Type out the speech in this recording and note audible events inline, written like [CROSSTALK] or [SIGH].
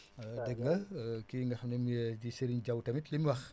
[HESITATION] dégg nga kii nga xam ne [HESITATION] kii Serigne Thiaw tamit lim wax